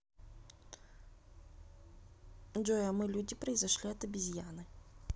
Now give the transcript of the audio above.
джой а мы люди произошли от обезьяны